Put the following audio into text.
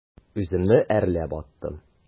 Үземне әрләп аттым.